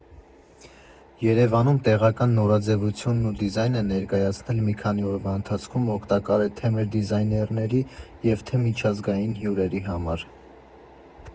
Երևանում տեղական նորաձևությունն ու դիզայնը ներկայացնել մի քանի օրվա ընթացքում օգտակար է թե մեր դիզայներների, և թե՛ միջազգային հյուրերի համար։